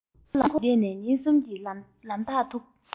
རླངས འཁོར ལ བསྡད ན ཉིན གསུམ གྱི ལམ ཐག འདུག